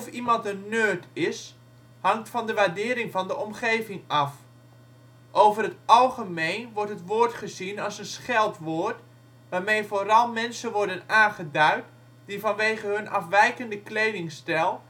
iemand een ' nerd ' is, hangt van de waardering van de omgeving af. Over het algemeen wordt het woord gezien als een scheldwoord waarmee vooral mensen worden aangeduid die vanwege hun afwijkende kledingstijl